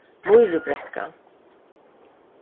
mýrubrekka